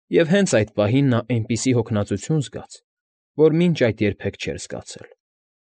Եվ հենց այդ պահին նա այնպիսի հոգնածություն զգաց, որ մինչ այդ երբեք չէր զգացել։